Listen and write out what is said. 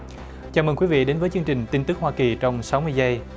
chào mừng quý vị đến với chương trình tin tức hoa kỳ trong sáu mươi giây